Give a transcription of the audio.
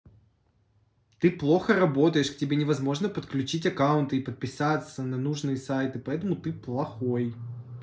ты плохо работаешь к тебе невозможно подключить аккаунты и подписаться на нужные сайты поэтому ты плохой